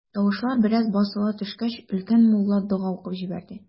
Тавышлар бераз басыла төшкәч, өлкән мулла дога укып җибәрде.